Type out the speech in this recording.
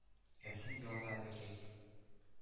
— ә син ялга, әбекәй.